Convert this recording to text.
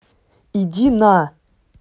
иди на